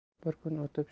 bir kun o'tib